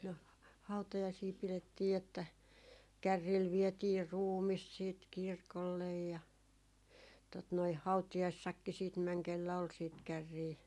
no hautajaisia pidettiin että kärryillä vietiin ruumis sitten kirkolle ja tuota noin hautajaisissakin sitten meni kenellä oli sitten kärriä